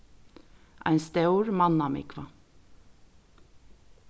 ein stór mannamúgva